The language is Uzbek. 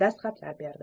dastxatlar berdi